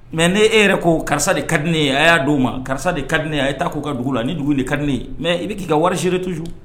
Mɛ ne' e yɛrɛ ko karisa de ka di ne ye a y'a di' o ma karisa de ka di ye a taa k'o ka dugu la ni dugu de ka di ne ye mɛ i bɛ k'i ka warisire tusu